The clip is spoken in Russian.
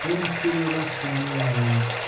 Он в первый раз упомянул о нем